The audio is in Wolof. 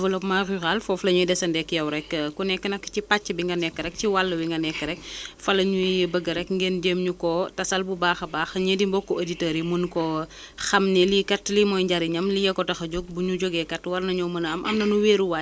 ñu ngi koy dund parce que bon un dérèglement la ñuy am ça crée donc li ñuy wax bon un effet donc de boomrang partout peut être que fii ren jii xëy na egg a gu ñu vraiment ca ca ca kii ba mais am na fi côté yi nga xamante ni vraiment tellement ñu ngi souffrir